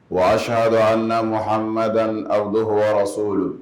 Wa asihadu ana muhamadani abuduhu warasuluhu .